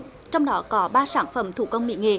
trong đó có ba sản phẩm thủ công mỹ nghệ